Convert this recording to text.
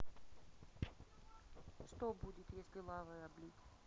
что будет если лавой облить